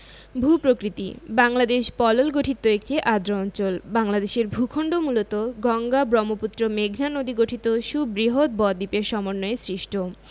ভূ প্রকৃতিঃ বাংলদেশ পলল গঠিত একটি আর্দ্র অঞ্চল বাংলাদেশের ভূখন্ড মূলত গঙ্গা ব্রহ্মপুত্র মেঘনা নদীগঠিত সুবৃহৎ বদ্বীপের সমন্বয়ে সৃষ্ট